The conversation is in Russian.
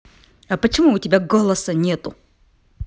а почему у тебя голоса нету